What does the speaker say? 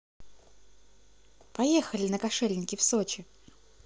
поехали на кошельники в сочи